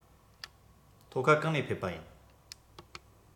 ལྷོ ཁ གང ནས ཕེབས པ ཡིན